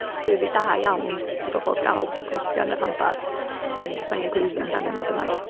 swyddi da iawn i bobl gael gweithio yn y rhanbarth. Dan ni jyst angen gweiddi amdanyn nhw dwi'n meddwl.